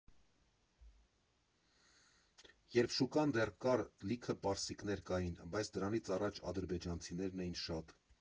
Երբ շուկան դեռ կար, լիքը պարսիկներ կային, բայց դրանից առաջ ադրբեջանցիներն էին շատ։